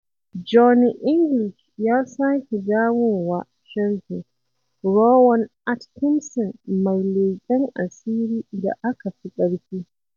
Johnny English Ya Sake Dawowa sharhi - Rowan Atkinson mai leƙen asiri da aka fi karfi